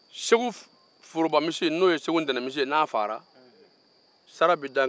segu forobamisi n'o ye segu tɛnɛmisi ye n'a fagara sara bɛ da